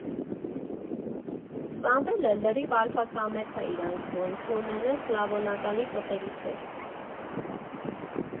Սամվելը լրիվ ալֆա֊սամեց ա իրան զգում, Սյունեն էլ Սլավոնականի ծտերից էր.